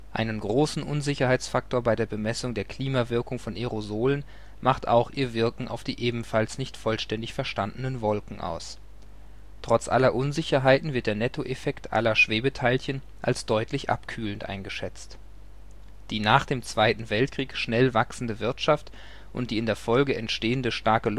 Einen großen Unsicherheitsfaktor bei der Bemessung der Klimawirkung von Aerosolen macht auch ihr Wirken auf die ebenfalls nicht vollständig verstandenen Wolken aus. Trotz aller Unsicherheiten wird der Nettoeffekt aller Schwebeteilchen als deutlich abkühlend eingeschätzt. Die nach dem Zweiten Weltkrieg schnell wachsende Wirtschaft und die in der Folge entstehende starke